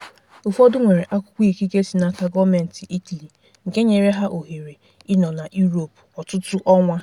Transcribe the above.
Ụfọdụ nwere akwụkwọ ikike si n'aka gọọmenti Italy nke nyere ha ohere ịnọ na Europe ọtụtụ ọnwa.